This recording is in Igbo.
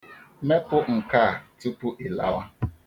Mepụ nke a tupu ị lawa.